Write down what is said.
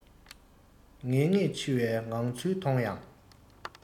ངེས ངེས འཆི བའི ངང ཚུལ མཐོང ཡང